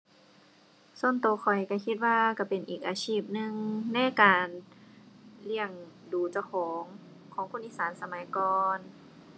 ส่วนตัวข้อยตัวคิดว่าตัวเป็นอีกอาชีพหนึ่งในการเลี้ยงดูเจ้าของ ของคนอีสานสมัยก่อน